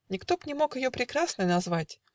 Никто б не мог ее прекрасной Назвать